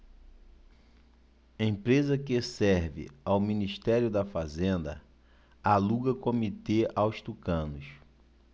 empresa que serve ao ministério da fazenda aluga comitê aos tucanos